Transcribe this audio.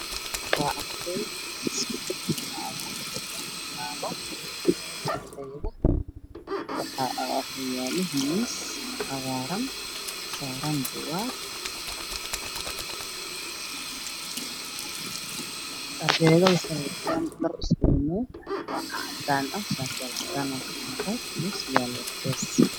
Waxaa ii muuqda wiilal cuto sharar haddaan ah iyo surwaalo danbas ah oo waxbarasho ku jira waxa ayna fiirinayaan macalinka